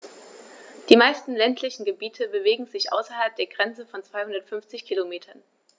Die meisten ländlichen Gebiete bewegen sich außerhalb der Grenze von 250 Kilometern.